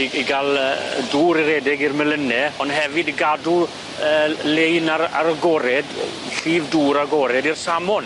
I i ga'l yy dŵr i redeg i'r melyne ond hefyd i gadw yy l- lein ar ar y gored llif dŵr agored i'r salmon.